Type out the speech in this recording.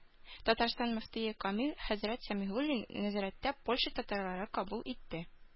Татарстан мөфтие Камил хәзрәт Сәмигуллин нәзәрәттә Польша татарлары кабул итте.